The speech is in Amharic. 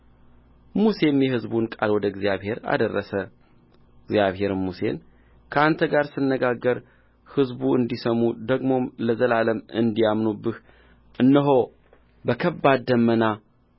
ሙሴም የሕዝቡን ቃል ወደ እግዚአብሔር አደረሰ እግዚአብሔርም ሙሴን ከአንተ ጋር ስነጋገር ሕዝቡ እንዲሰሙ ደግሞም ለዘላለም እንዲያምኑብህ እነሆ በከባድ ደመና